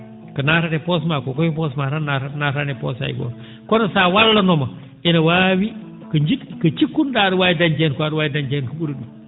ko naatata e poos ma koo koye poos maa naatata nataaani e poos hay gooto kono sa wallanoo ma ene waawi ko ko cikkuno?a a?a waawi dañde heen koo a?a waawi dañde heen ko ?uri ?uum